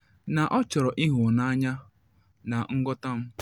Na ọ chọrọ ịhụnanya na nghọta m.